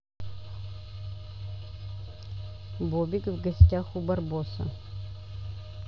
бобик в гостях у барбоса